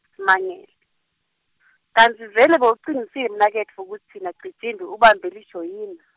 simangele , kantsi vele bowucinisile mnaketfu kutsi naCijimphi ubambe lijoyina?